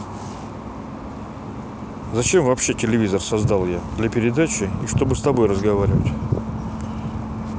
зачем вообще телевизор создал я для передачи и чтобы с тобой разговаривать